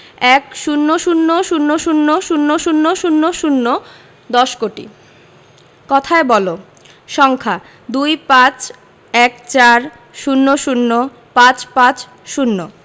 ১০০০০০০০০ দশ কোটি কথায় বলঃ সংখ্যাঃ ২৫ ১৪ ০০ ৫৫০